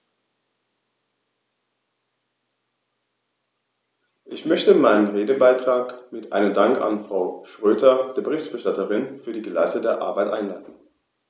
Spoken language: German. Ich möchte meinen Redebeitrag mit einem Dank an Frau Schroedter, der Berichterstatterin, für die geleistete Arbeit einleiten.